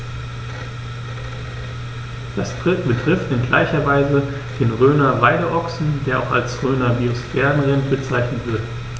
Dies betrifft in gleicher Weise den Rhöner Weideochsen, der auch als Rhöner Biosphärenrind bezeichnet wird.